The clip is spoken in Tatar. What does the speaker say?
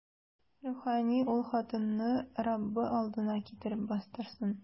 Рухани ул хатынны Раббы алдына китереп бастырсын.